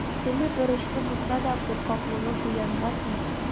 Теле борычлы булса да, куркаклыгы куянга тиң.